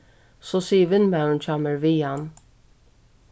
so sigur vinmaðurin hjá mær við hann